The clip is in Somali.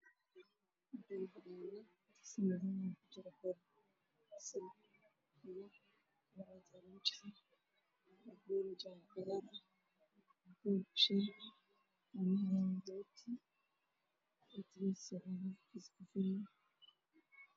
Waa miis waxaa saaran weel ay ku jirto iyo bal banooni iyo rooti iyo koob shax ah oo